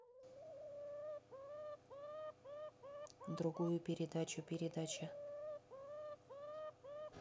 другую передачу передача